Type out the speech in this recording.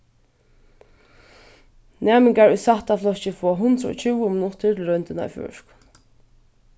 næmingar í sætta flokki fáa hundrað og tjúgu minuttir til royndina í føroyskum